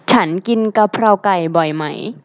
ฉันกินกะเพราไก่บ่อยไหม